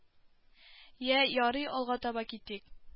Йә ярый алга таба китик